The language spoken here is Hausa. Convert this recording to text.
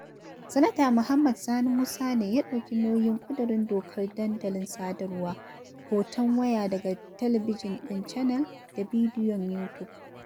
Sanata Mohammed Sani Musa ne ya ɗauki nauyin ƙudurin dokar dandulan sadarwa. Hoton waya daga Talabijin ɗin Channel da bidiyon Youtube.